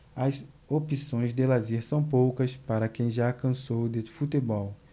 as opções de lazer são poucas para quem já cansou de futebol